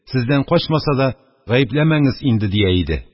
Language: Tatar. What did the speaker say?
Сездән качмаса да, гаепләмәңез инде, – дия иде.